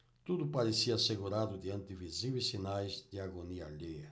tudo parecia assegurado diante de visíveis sinais de agonia alheia